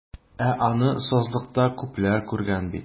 Ә аны сазлыкта күпләр күргән бит.